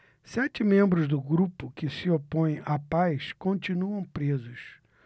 sete membros do grupo que se opõe à paz continuam presos